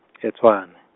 e- Tshwane.